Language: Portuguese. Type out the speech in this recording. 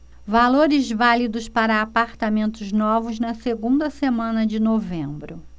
valores válidos para apartamentos novos na segunda semana de novembro